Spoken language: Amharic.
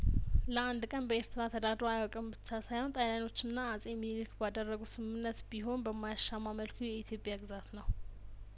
ለአንድ ቀን በኤርትራ ተዳ ድሮ አያውቅም ብቻ ሳይሆን ጣሊያኖችና አጼ ሚንሊክ ባደረጉት ስምምነት ቢሆን በማ ያሻማ መልኩ የኢትዮጵያ ግዛት ነው